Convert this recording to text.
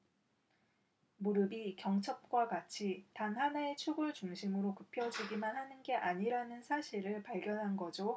무릎이 경첩과 같이 단 하나의 축을 중심으로 굽혀지기만 하는 게 아니라는 사실을 발견한 거죠